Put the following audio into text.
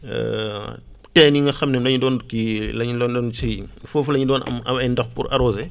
teen li nga xam ne lañ doon kii lañ lañ si foofu la ñu doon am amee ndox pour arroser